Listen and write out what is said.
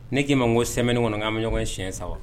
Ne k'i ma ko sɛmɛni kɔni n' bɛ ɲɔgɔnɔgɔ ye siɲɛ saba